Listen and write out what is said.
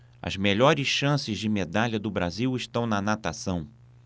as melhores chances de medalha do brasil estão na natação